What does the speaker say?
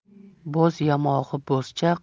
bo'z yamog'i bo'zcha